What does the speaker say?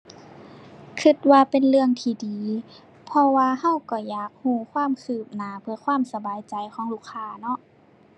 คิดว่าเป็นเรื่องที่ดี เพราะว่าคิดก็อยากคิดความคืบหน้าเพื่อความสบายใจของลูกค้าเนาะ